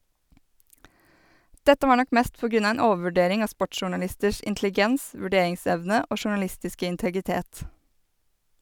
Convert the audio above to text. Dette var nok mest på grunn av en overvurdering av sportsjournalisters intelligens, vurderingsevne og journalistiske integritet.